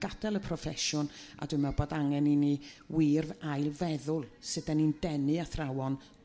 gad'el y proffesiwn a dwi'n me'l bod angen i ni wir ail feddwl sut 'dan ni'n denu athrawon